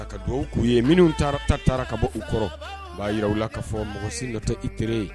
Ka dugawu k'u ye minnu taara ta taara ka bɔ kɔrɔ b'a jiraw la k'a fɔ mɔgɔ sin ka tɛ i terirre ye